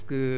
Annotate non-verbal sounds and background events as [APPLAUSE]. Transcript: [HESITATION] [HESITATION]